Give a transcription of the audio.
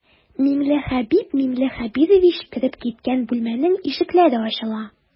Миңлехәбиб миңлехәбирович кереп киткән бүлмәнең ишекләре ачыла.